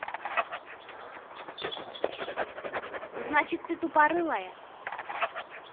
значит ты тупорылая